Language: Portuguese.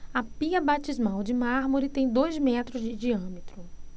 a pia batismal de mármore tem dois metros de diâmetro